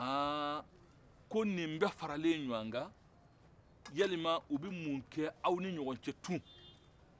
ko nin bɛɛ faralen ɲɔɔn kan yali u bɛ mun kɛ aw ni ɲɔɔn cɛ tuguni